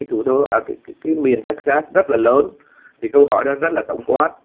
thủ đô à cái miền tếch dát rất là lớn thì câu hỏi rất tổng quát